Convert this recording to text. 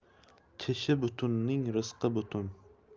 tishi butunning rizqi butun